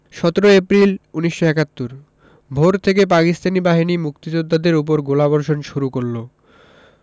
১৭ April ১৯৭১ ভোর থেকেই পাকিস্তানি বাহিনী মুক্তিযোদ্ধাদের উপর গোলাবর্ষণ শুরু করল